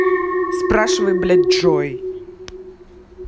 спрашивай блядь джой